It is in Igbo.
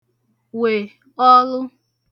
wè ọlụ